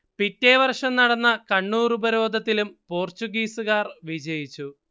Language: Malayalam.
പിറ്റെ വർഷം നടന്ന കണ്ണൂർ ഉപരോധത്തിലും പോർച്ചുഗീസുകാർ വിജയിച്ചു